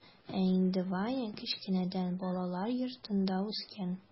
Ә инде ваня кечкенәдән балалар йортында үскән.